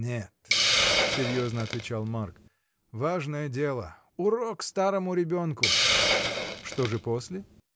— Нет, — серьезно отвечал Марк, — важное дело, урок старому ребенку. — Что же после?